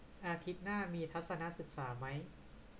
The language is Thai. อาทิตย์หน้ามีทัศนศึกษามั้ย